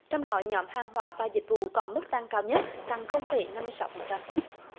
trong đó nhóm hàng hóa và dịch vụ có mức tăng cao nhất tăng không phẩy năm mươi sáu phần trăm